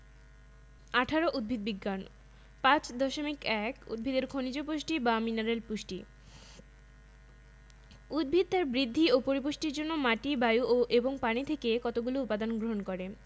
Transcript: ১৮ উদ্ভিদ বিজ্ঞান ৫.১ উদ্ভিদের খনিজ বা মিনারেল পুষ্টি উদ্ভিদ তার বৃদ্ধি ও পরিপুষ্টির জন্য মাটি বায়ু এবং পানি থেকে কতগুলো উপদান গ্রহণ করে